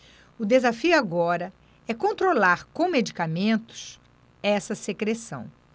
o desafio agora é controlar com medicamentos essa secreção